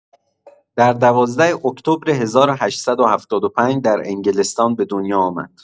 در ۱۲ اکتبر ۱۸۷۵ در انگلستان به دنیا آمد.